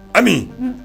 Amimi